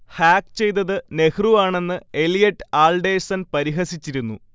hack ചെയ്തത് നെഹ്റു ആണെന്ന് Elliot Alderson പരിഹസിച്ചിരുന്നു